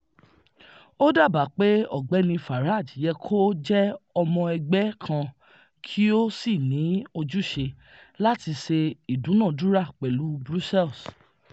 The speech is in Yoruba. Ó dábà pé Ọ̀gbẹ́ni Farage yẹ kó jẹ ọmọ ẹgbẹ́ kan kí ó sì ní ojúse láti ṣe ìdúnàádúrà pẹ̀lú Brussels.